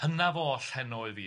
Hynaf oll heno wyf fi.